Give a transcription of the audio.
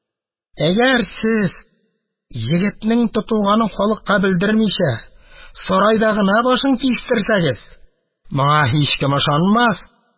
Әгәр сез, егетнең тотылганын халыкка белдермичә, сарайда гына башын кистерсәгез, моңа һичкем ышанмас.